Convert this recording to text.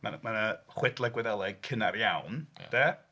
Mae 'na... mae 'na chwedlau Gwyddeleg cynnar iawn 'de.